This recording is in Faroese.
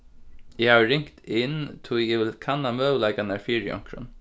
eg havi ringt inn tí eg vil kanna møguleikarnar fyri onkrum